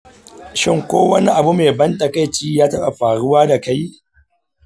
shin ko wani abu mai ban takaici ya taba faruwa da kai?